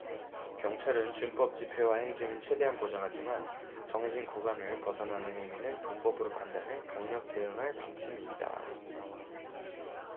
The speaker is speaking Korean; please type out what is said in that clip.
경찰은 준법 집회와 행진은 최대한 보장하지만 정해진 구간을 벗어나는 행위는 불법으로 판단해 강력 대응할 방침이다